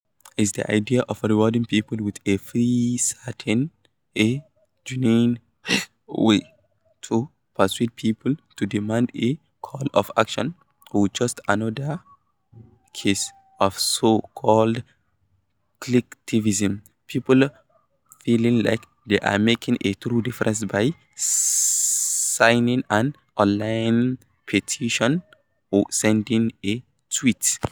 Is the idea of rewarding people with a free concert a genuine way to persuade people to demand a call for action, or just another case of so-called "clicktivism" - people feeling like they are making a true difference by signing an online petition or sending a tweet?